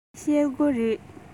འདི ཤེལ སྒོ རེད